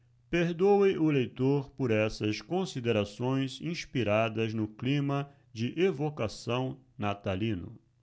perdoe o leitor por essas considerações inspiradas no clima de evocação natalino